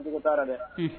Dugu taara dɛ